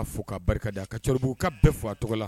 Fo kaa barika da a ka cɛkɔrɔbabugu ka bɛɛ fo a tɔgɔ la